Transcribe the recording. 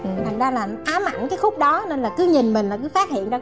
thành ra là ám ảnh cái khúc đó nên cứ nhìn mình là cứ phát hiện ra